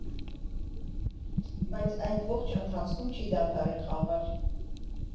Բայց այդ ողջ ընթացքում չի դադարել խաղալ։